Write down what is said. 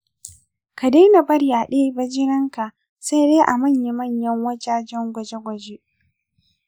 ka daina bari a debi jininka sai dai a manya manyan wajajen gwaje gwaje.